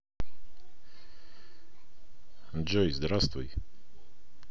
джой здравствуй